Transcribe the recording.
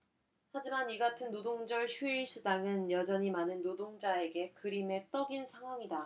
하지만 이같은 노동절 휴일수당은 여전히 많은 노동자에게 그림의 떡인 상황이다